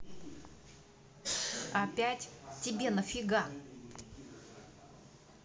опять тебе нафига